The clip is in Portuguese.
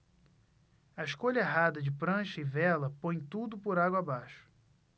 a escolha errada de prancha e vela põe tudo por água abaixo